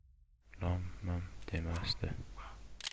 lom mim demasdi